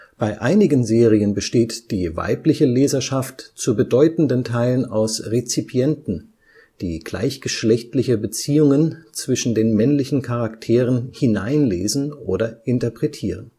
Bei einigen Serien besteht die weibliche Leserschaft zu bedeutenden Teilen aus Rezipienten, die gleichgeschlechtliche Beziehungen zwischen den männlichen Charakteren hineinlesen oder interpretieren